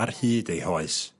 ar hyd ei hoes.